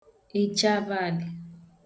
echeabalị̄